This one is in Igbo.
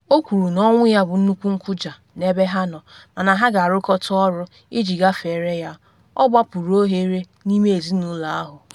O kwuru na ọnwụ ya bụ nnukwu nkụja n’ebe ha nọ, mana ha ga-arụkọta ọrụ iji gafere ya: “Ọ gbapuru oghere n’ime ezinụlọ ahụ.